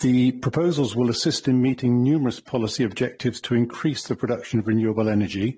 The proposals will assist in meeting numerous policy objectives to increase the production of renewable energy.